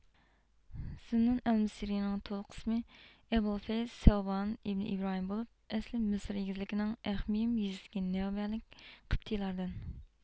زۇننۇن ئەلمىسرىينىڭ تولۇق ئىسمى ئەبۇلفەيز سەۋبان ئىبنى ئىبراھىم بولۇپ ئەسلى مىسىر ئېگىزلىكىنىڭ ئەخمىيم يېزىسىدىكى نەۋبەلىك قىبتېيلاردىن